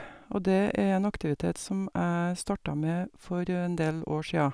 Og det er en aktivitet som jeg starta med for en del år sia.